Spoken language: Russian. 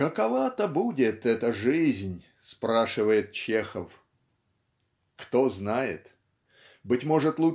" "Какова-то будет эта жизнь?" - спрашивает Чехов. Кто знает? Быть может